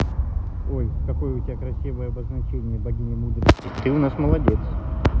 ой как у тебя красивое обозначение богиня мудрости ты у нас молодец